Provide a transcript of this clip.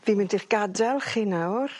Fi'n mynd i'ch gade'l chi nawr.